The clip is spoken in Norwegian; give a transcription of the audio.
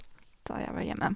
Da jeg var hjemme.